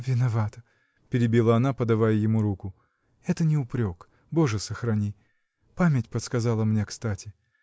— Виновата, — перебила она, подавая ему руку, — это не упрек, Боже сохрани! Память подсказала мне кстати.